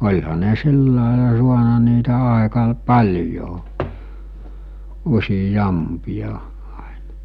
olihan ne sillä lailla saanut niitä aika - paljon useampia aina